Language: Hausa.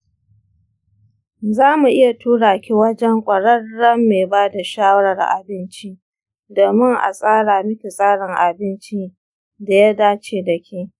za mu iya tura ki wajen ƙwararren mai ba da shawarar abinci domin a tsara miki tsarin abinci da ya dace da ke.